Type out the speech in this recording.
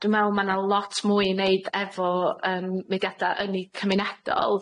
dw' me'wl ma' 'na lot mwy i neud efo yym mudiada ynni cymunedol.